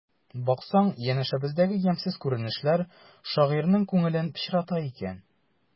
Баксаң, янәшәбездәге ямьсез күренешләр шагыйрьнең күңелен пычрата икән.